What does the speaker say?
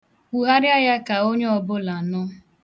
Kwugharịa ya ka onye ọbụla nụ.